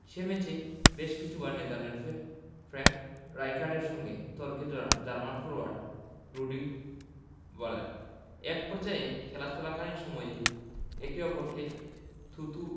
সে ম্যাচে বেশ কিছুবার নেদারল্যান্ডসের ফ্র্যাঙ্ক রাইকার্ডের সঙ্গে তর্কে জড়ান জার্মান ফরোয়ার্ড রুডি ভলার একপর্যায়ে খেলা চলাকালীন সময়েই একে অপরকে থুতু